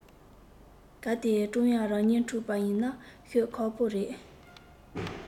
གལ ཏེ ཀྲུང དབྱང རང གཉིད འཁྲུག པ ཡིན ན ཤོད ཁག པོ རེད